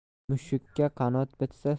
mushukka qanot bitsa